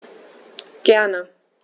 Gerne.